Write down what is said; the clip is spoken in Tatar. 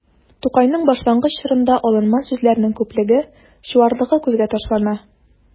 Тукайның башлангыч чорында алынма сүзләрнең күплеге, чуарлыгы күзгә ташлана.